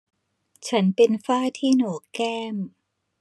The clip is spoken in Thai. ฉันเป็นฝ้าที่โหนกแก้ม